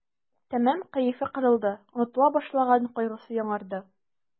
Тәмам кәефе кырылды, онытыла башлаган кайгысы яңарды.